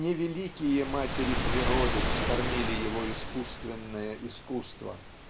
не великие матери природы вскормили его искусственное искусство.